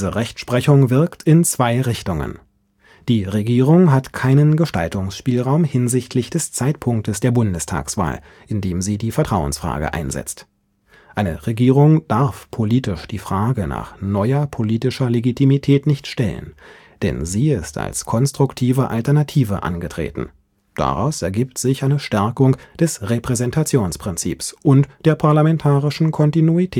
Rechtsprechung wirkt in zwei Richtungen: Die Regierung hat keinen Gestaltungsspielraum hinsichtlich des Zeitpunktes der Bundestagswahl, indem sie die Vertrauensfrage einsetzt. Eine Regierung darf politisch die Frage nach „ neuer “politischer Legitimität nicht stellen. Denn sie ist als konstruktive Alternative angetreten. Daraus ergibt sich eine Stärkung des Repräsentationsprinzips und der parlamentarischen Kontinuität